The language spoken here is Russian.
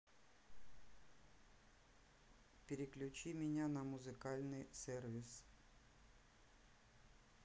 переключи меня на музыкальный сервис